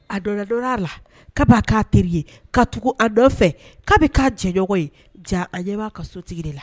A dɔdɔn a la ka k'a teri ye ka tugu a dɔ fɛ k'a bɛ k'a jɛɲɔgɔn ye ja a ɲɛ'a ka so tigi la